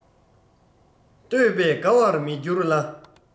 བསྟོད པས དགའ བར མི འགྱུར ལ